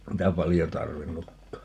niitä paljon tarvinnutkaan